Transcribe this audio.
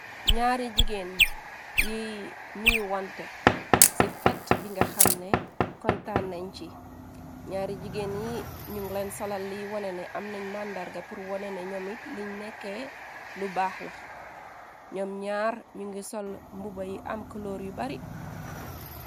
N'aari jigéen yi nuy wante ci fet bi nga xam ne kon taannañ ci ñaari jigéen yi ñu ngu leen solal li wone ne am nañ màndarga pr wone ne ñoomit liñ nekkee lu baax lax ñoom ñaar ñu ngi sol mbuba yi am kloor yu bari.